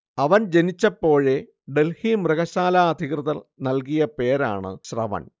അവൻ ജനിച്ചപ്പോഴേ ഡൽഹി മൃഗശാലാ അധികൃതർ നൽകിയ പേരാണ് ശ്രവൺ